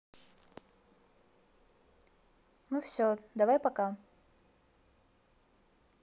ну все давай пока